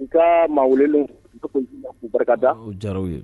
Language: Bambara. Nka ma welelen u barikada u jaraw ye